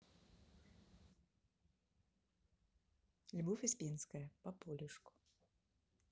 любовь успенская по полюшку